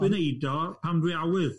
Dwi'n neud o pan dwi awydd.